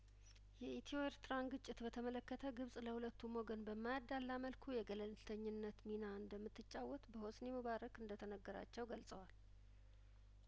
የኢትዮ ኤርትራን ግጭት በተመለከተ ግብጽ ለሁለቱም ወገን በማያደላ መልኩ የገለልተኝነት ሚና እንደምትጫወት በሆስኒ ሙባረክ እንደተነገራቸው ገልጸዋል